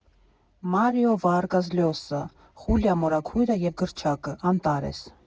Մարիո Վարգաս Լյոսա «Խուլիա մորաքույրը և գրչակը», Անտարես։